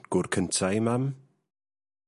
gŵr cynta 'i mam?